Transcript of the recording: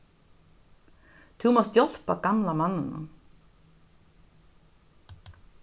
tú mást hjálpa gamla manninum